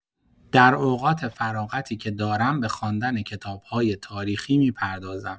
در اوقات فراغتی که دارم، به خواندن کتاب‌های تاریخی می‌پردازم.